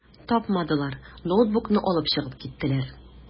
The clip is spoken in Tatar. Тапмадылар, ноутбукны алып чыгып киттеләр.